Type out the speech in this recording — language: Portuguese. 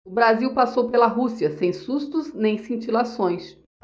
o brasil passou pela rússia sem sustos nem cintilações